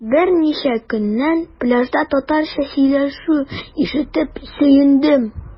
Берничә көннән пляжда татарча сөйләшү ишетеп сөендем.